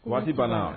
Waati banna wa?